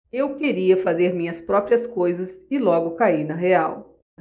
eu queria fazer minhas próprias coisas e logo caí na real